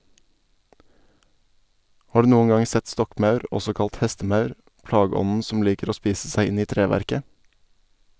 Har du noen gang sett stokkmaur, også kalt hestemaur, plageånden som liker å spise seg inn i treverket?